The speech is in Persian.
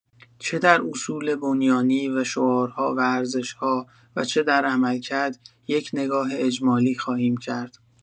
چه در اصول بنیانی و شعارها و ارزش‌ها و چه در عملکرد، یک نگاه اجمالی خواهیم کرد.